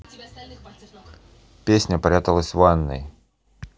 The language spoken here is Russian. песня пряталась в ванной